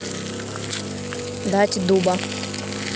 дать дуба